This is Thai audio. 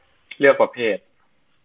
เลือกประเภท